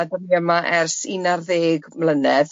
...a dwi yma ers un ar ddeg mlynedd.